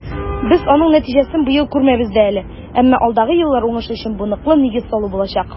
Без аның нәтиҗәсен быел күрмәбез дә әле, әмма алдагы еллар уңышы өчен бу ныклы нигез салу булачак.